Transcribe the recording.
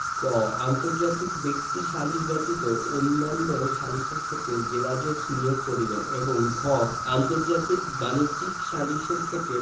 গ আন্তর্জাতিক বাণিজ্যিক সালিস ব্যতীত অন্যান্য সালিসের ক্ষেত্রে জেলাজজ নিয়োগ করিবেন এবং ঘ আন্তর্জাতিক বাণিজ্যিক সালিসের ক্ষেত্রে